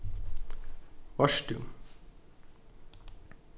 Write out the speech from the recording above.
veitst tú